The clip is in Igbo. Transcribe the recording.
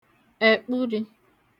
ẹ̀kpụrị̄